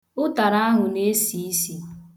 Ụtara ahụ na-esi isi.